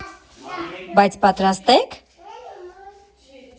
Բայց պատրաստ ե՞ք։